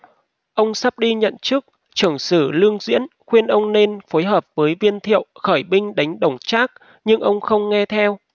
ông sắp đi nhận chức trưởng sử lương diễn khuyên ông nên phối hợp với viên thiệu khởi binh đánh đổng trác nhưng ông không nghe theo